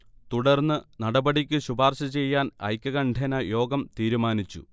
തുടർന്ന് നടപടിക്ക് ശുപാർശചെയ്യാൻ ഐകകണ്ഠ്യേന യോഗം തീരുമാനിച്ചു